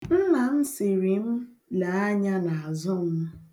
Nna m sịrị m lee anya n'azụ m.